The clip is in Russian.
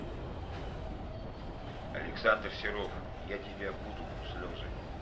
александр серов я тебя буду слезы